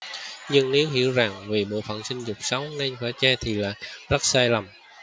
nhưng nếu hiểu rằng vì bộ phận sinh dục xấu nên phải che thì lại rất sai lầm